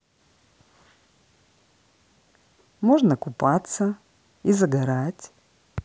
можно купаться и загорать